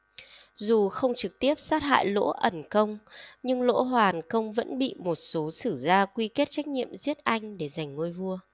dù không trực tiếp sát hại lỗ ẩn công nhưng lỗ hoàn công vẫn bị một số sử gia quy kết trách nhiệm giết anh để giành ngôi vua